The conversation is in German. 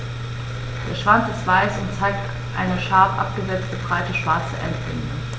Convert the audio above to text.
Der Schwanz ist weiß und zeigt eine scharf abgesetzte, breite schwarze Endbinde.